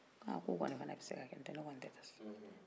ko ɔn ko kɔni fɛnɛ bɛ se ka kɛ n'o tɛ ne kɔni tɛ taa sisan